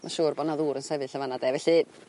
ma' siŵr bo' 'na ddŵr yn sefyll yn fan 'na 'de felly